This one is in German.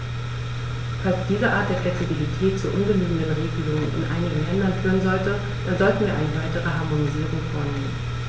Falls diese Art der Flexibilität zu ungenügenden Regelungen in einigen Ländern führen sollte, dann sollten wir eine weitere Harmonisierung vornehmen.